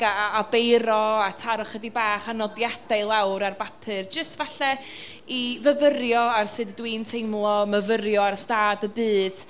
a a a beiro a taro chydig bach o nodiadau lawr ar bapur, jyst falle i fyfyrio ar sut ydwi'n teimlo myfyrio ar y stad y byd.